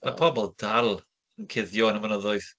Mae pobl dal yn cuddio yn y mynyddoedd.